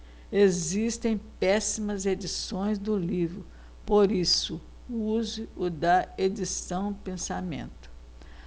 existem péssimas edições do livro por isso use o da edição pensamento